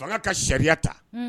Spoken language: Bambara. Fanga ka sariya ta, un